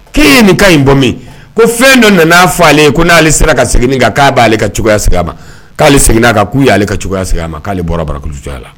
' ye nin ka in bɔ min ko fɛn dɔ nana fɔ ale ko n'ale sera ka segin k'a b'ale ka cogoyaya a ma k'ale seginna kan k'i y'ale ka cogoyaya sigi a ma k'ale bɔra bara kulu cogoya a la